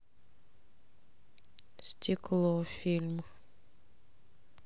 стекло фильм